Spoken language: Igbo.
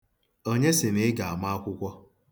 Onye sị na ị ga-ama akwụkwọ?